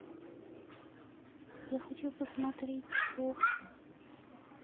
я хочу посмотреть окко